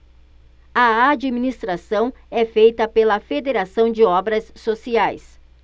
a administração é feita pela fos federação de obras sociais